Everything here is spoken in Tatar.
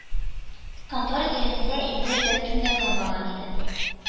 Контора тирәсендә инде беркем дә калмаган иде